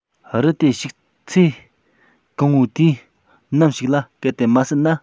རི དེ ཞིག ཚེ གང བོའི དུས ནམ ཞིག ལ གལ ཏེ མ བསད ན